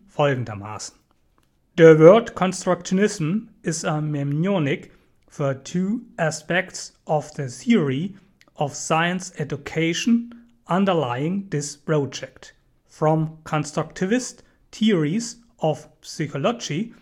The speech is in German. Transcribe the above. folgendermaßen: „ The word constructionism is a mnemonic for two aspects of the theory of science education underlying this project. From constructivist theories of psychology